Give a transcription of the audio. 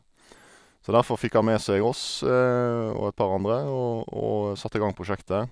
Så derfor fikk han med seg oss og et par andre og og satte i gang prosjektet.